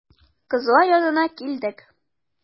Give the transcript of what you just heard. Кызлар янына килдек.